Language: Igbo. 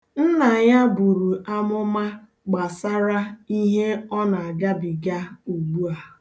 Nna ya buru amụma gbasara ihe ọ na-agabiga ugbu a.